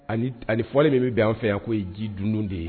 Ani t ani fɔlen de be bɛ anw fɛ yan k'o ye ji dundun de ye